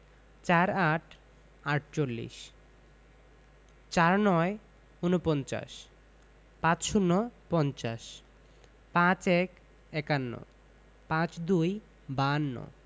৪৮ -আটচল্লিশ ৪৯ – উনপঞ্চাশ ৫০ - পঞ্চাশ ৫১ – একান্ন ৫২ - বাহান্ন